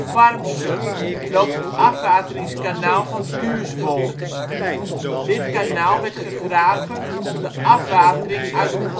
Farmsum loopt het Afwateringskanaal van Duurswold. Dit kanaal werd gegraven om de afwatering uit